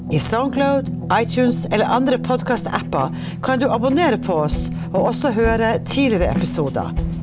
i Soundcloud, iTunes eller andre podkastappar kan du abonnere på oss og også høyra tidlegare episodar.